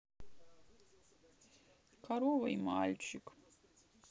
корова и мальчик